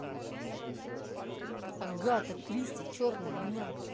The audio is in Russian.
агата кристи черная луна